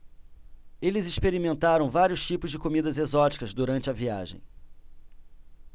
eles experimentaram vários tipos de comidas exóticas durante a viagem